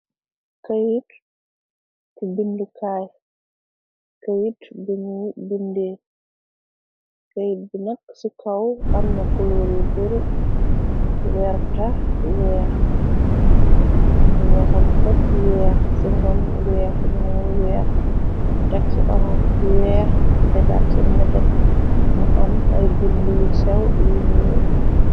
Yayit biñuy binde kayit bi nakk ci kaw am na kuluur yi bari werta weex xam fe weex ci ngam weex ñu weex tax ci orange y weex tegaat ci nete mu am ay bindi yu sew yu ñyuul.